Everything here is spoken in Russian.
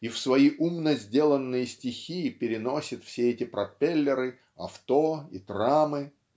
и в свои умно сделанные стихи переносит все эти пропеллеры авто и трамы